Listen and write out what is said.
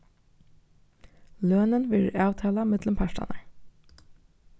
lønin verður avtalað millum partarnar